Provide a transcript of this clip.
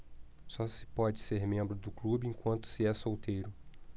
só se pode ser membro do clube enquanto se é solteiro